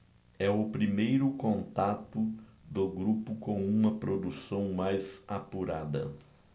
é o primeiro contato do grupo com uma produção mais apurada